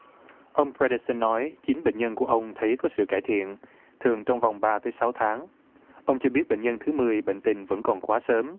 ông pe đơ sưn nói chính bệnh nhân của ông thấy có sự cải thiện thường trong vòng ba tới sáu tháng ông cho biết bệnh nhân thứ mười bệnh tình vẫn còn quá sớm